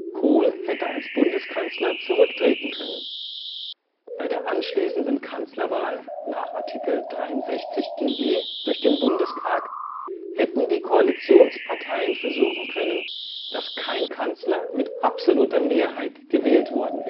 Kohl hätte als Bundeskanzler zurücktreten können. Bei der anschließenden Kanzlerwahl (Art. 63 GG) durch den Bundestag hätten die Koalitionsparteien versuchen können, dass kein Kanzler mit absoluter Mehrheit gewählt worden